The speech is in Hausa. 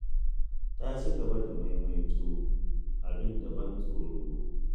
Ta ci gaba da maimaita ‘Abin da ban tsoro’.